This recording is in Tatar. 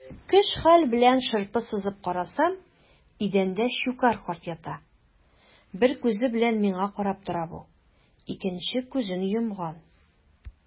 Көч-хәл белән шырпы сызып карасам - идәндә Щукарь карт ята, бер күзе белән миңа карап тора бу, икенче күзен йомган.